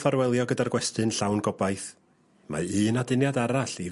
...ffarwelio gyda'r gwesty'n llawn gobaith mae un aduniad arall i...